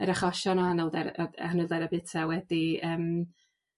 yr achosion o anhwlder- yy anhwyldere bita wedi yym